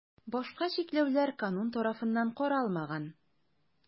Башка чикләүләр канун тарафыннан каралмаган.